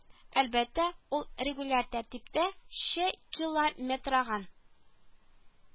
Әлбәттә, ул регуляр тәртиптә чы километраган